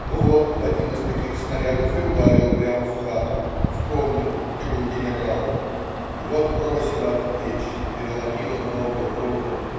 Ну, вот один из таких снарядов и ударил прямо в хату, в комнату, где был генерал. Его отбросило об печь. Переломило ногу, руку.